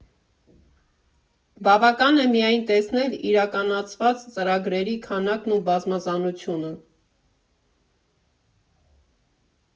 Բավական է միայն տեսնել իրականացված ծրագրերի քանակն ու բազմազանությունը.